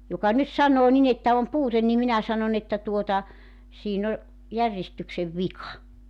joka nyt sanoo niin että on puute niin minä sanon että tuota siinä on järjestyksen vika